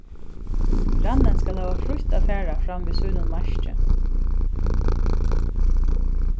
grannin skal hava frítt at fara fram við sínum marki